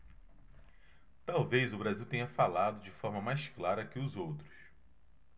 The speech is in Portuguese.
talvez o brasil tenha falado de forma mais clara que os outros